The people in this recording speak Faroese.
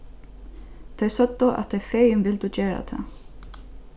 tey søgdu at tey fegin vildu gera tað